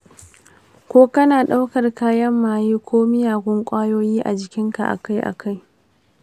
ko kana ɗaukar kayan maye ko miyagun ƙwayoyi a jikin ka akai-akai?